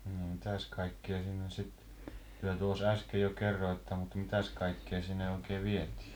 no mitäs kaikkia sinne sitten te tuossa äsken jo kerroitte mutta mitäs kaikkea sinne oikein vietiin sitten